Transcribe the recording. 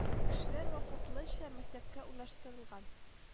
Кешеләр вакытлыча мәктәпкә урнаштырылган